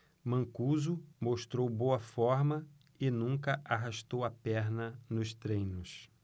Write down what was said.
mancuso mostrou boa forma e nunca arrastou a perna nos treinos